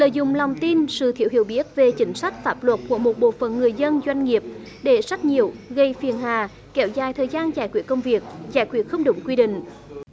lợi dụng lòng tin sự thiếu hiểu biết về chính sách pháp luật của một bộ phận người dân doanh nghiệp để sách nhiễu gây phiền hà kéo dài thời gian giải quyết công việc giải quyết không đúng quy định